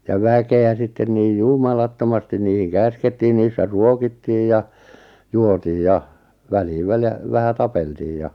ja väkeä sitten niin jumalattomasti niihin käskettiin niissä ruokittiin ja juotiin ja väliin väliä vähän tapeltiin ja